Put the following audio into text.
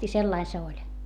ja sellainen se oli